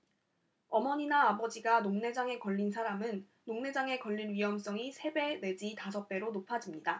어머니나 아버지가 녹내장에 걸린 사람은 녹내장에 걸릴 위험성이 세 배 내지 다섯 배로 높아집니다